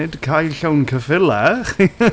Nid cae llawn ceffylau !